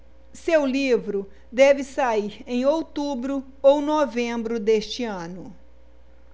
seu livro deve sair em outubro ou novembro deste ano